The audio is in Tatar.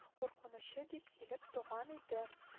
Куркынычы да килеп туган иде